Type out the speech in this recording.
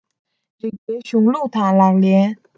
རིགས པའི གཞུང ལུགས དང ལག ལེན